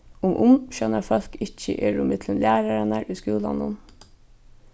um umsjónarfólk ikki eru millum lærararnar í skúlanum